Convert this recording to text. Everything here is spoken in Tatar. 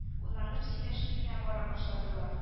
Уйланып сөйләшми генә бара башладылар